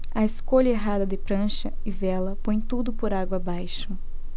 a escolha errada de prancha e vela põe tudo por água abaixo